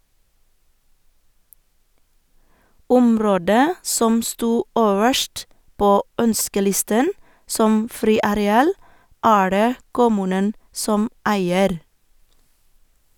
Området som sto øverst på ønskelisten som friareal, er det kommunen som eier.